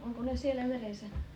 onko ne siellä meressä